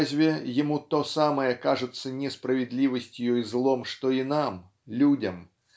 разве ему то самое кажется несправедливостью и злом что и нам людям